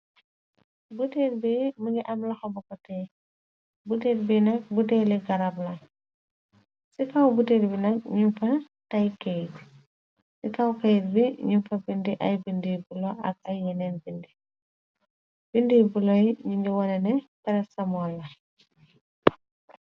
Buteer bi mu ngi am loxa bokotee buteer bi nag buteeli garab la ci kaw buter bi nak ñu fa tay kayt ci kaw kayit bi ñu fa bindi ay bindi bu lo ak ay ngeneen bindi bindi bu loy ñi ngi wonane peres samoon la.